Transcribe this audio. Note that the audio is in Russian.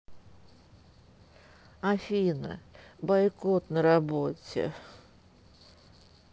афина бойкот на работе